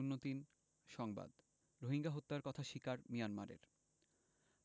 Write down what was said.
০৩ সংবাদ রোহিঙ্গা হত্যার কথা স্বীকার মিয়ানমারের